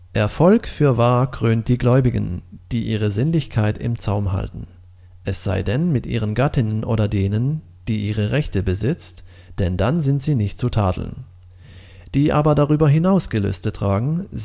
Erfolg fürwahr krönt die Gläubigen, […] 5 die ihre Sinnlichkeit im Zaum halten - 6 Es sei denn mit ihren Gattinnen oder denen, die ihre Rechte besitzt, denn dann sind sie nicht zu tadeln; 7 Die aber darüber hinaus Gelüste tragen